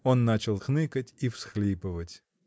Он начал хныкать и всхлипывать.